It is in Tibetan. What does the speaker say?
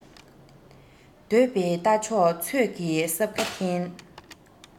འདོད པའི རྟ མཆོག ཚོད ཀྱིས སྲབ ཁ འཐེན